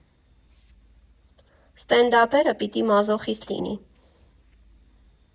«Ստենդափերը պիտի մազոխիստ լինի»